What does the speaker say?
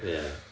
ia